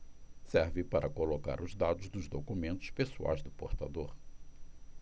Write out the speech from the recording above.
serve para colocar os dados dos documentos pessoais do portador